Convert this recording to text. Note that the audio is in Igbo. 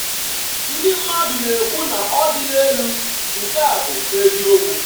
“Ndị mmadụ na-ekwu na ọ dịla elu; nke a bụ eziokwu.